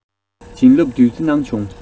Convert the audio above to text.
བྱིན བརླབས བདུད རྩི གནང བྱུང